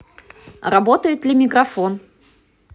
работает ли микрофон